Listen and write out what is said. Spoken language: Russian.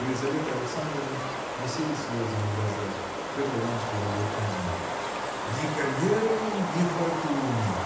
У Лизаветы Александровны висели слезы на глазах. Петр Иваныч говорил один. – Ни карьеры, ни фортуны!